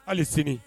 Hali sini